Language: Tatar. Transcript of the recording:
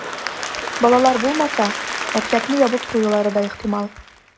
Балалар булмаса, мәктәпне ябып куюлары да ихтимал.